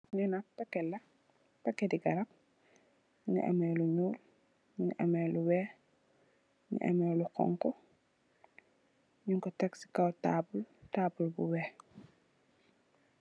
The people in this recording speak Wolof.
Li nak pakèt la, pakèti garab mungi ameh lu ñuul, mungi ameh lu weeh, mungi ameh lu honku, nung ko tekk ci kaw taabul, taabul bi weeh.